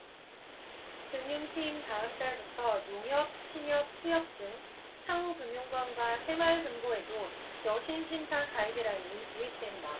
금융팀 다음 달부터 농협 신협 수협 등 상호금융권과 새마을금고에도 여신심사 가이드라인이 도입된다